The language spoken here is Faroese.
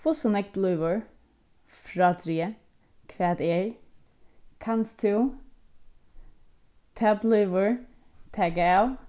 hvussu nógv blívur frádrigið hvat er kanst tú tað blívur taka av